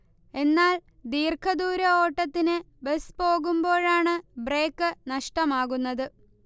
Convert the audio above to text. എന്നാൽ ദീർഘദൂര ഓട്ടതതിന് ബസ് പോകുമ്പോഴാണ് ബ്രേക്ക് നഷ്ടമാകുന്നത്